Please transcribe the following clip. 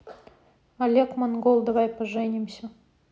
олег монгол давай поженимся